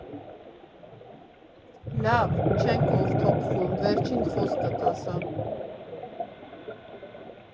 Լավ, չենք օֆթոփվում, վերջին խոսքդ ասա։